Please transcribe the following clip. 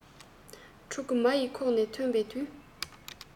ཕྲུ གུ མ ཡི ཁོག ནས ཐོན པའི དུས